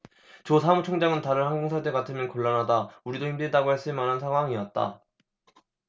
조 사무총장은 다른 항공사들 같으면 곤란하다 우리도 힘들다고 했을 만한 상황이었다